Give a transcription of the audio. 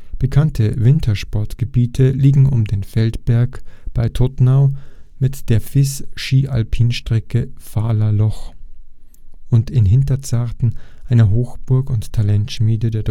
Bekannte Wintersportgebiete liegen um den Feldberg, bei Todtnau mit der FIS-Ski-Alpin-Strecke „ Fahler Loch “und in Hinterzarten, einer Hochburg und Talentschmiede der